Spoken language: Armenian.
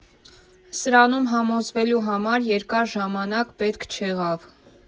Սրանում համոզվելու համար երկար ժամանակ պետք չեղավ.